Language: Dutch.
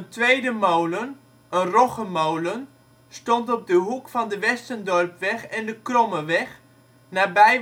tweede molen, een roggemolen, stond op de hoek van de Westendorpweg en de Krommeweg (nabij